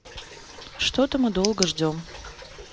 что то мы долго ждем